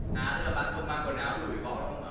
à tức là bạn không mang quần áo đủ để võ đúng không ạ